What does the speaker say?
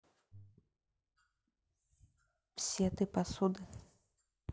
все ты посуды